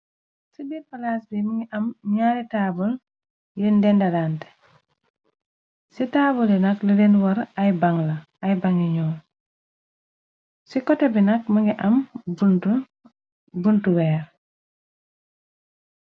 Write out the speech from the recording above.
Ci biir palas bi mungi am ñaari tabal yeen dendalante ci tabal yi nak la leen war ay bang la ay bang yu ñuul ci koteh bi nak mugii am buntu, buntu wèèr.